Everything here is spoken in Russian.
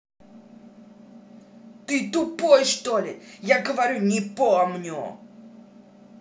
ты тупой что ли я говорю не помню